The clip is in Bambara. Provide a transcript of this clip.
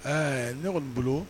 Aa ne kɔni bolo